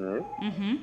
Unhun